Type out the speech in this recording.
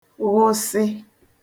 ghụsị